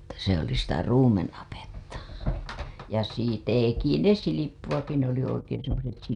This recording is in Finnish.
se oli sitä ruumenapetta - teki ne silppuakin ne oli oikein semmoiset silppumyllyt